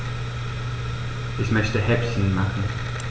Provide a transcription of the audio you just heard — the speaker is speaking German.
Ich möchte Häppchen machen.